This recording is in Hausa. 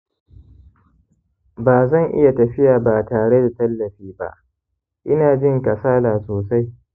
ba zan iya tafiya ba tare da tallafi ba, ina jin kasala sosai